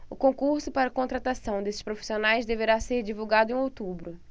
o concurso para contratação desses profissionais deverá ser divulgado em outubro